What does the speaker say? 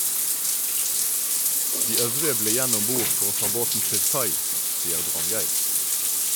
- De øvrige ble igjen om bord for å ta båten til kai, sier Drangeid.